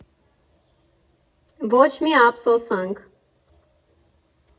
Ոչ մի ափսոսանք։